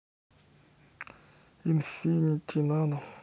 инфинити надо